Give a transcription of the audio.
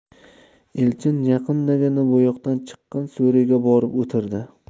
elchin yaqindagina bo'yoqdan chiqqan so'riga borib o'tirdi